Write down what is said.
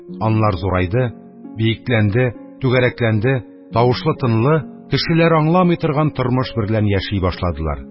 Анлар зурайды, биекләнде, түгәрәкләнде; тавышлы-тынлы, кешеләр аңламый торган тормыш берлән яши башладылар.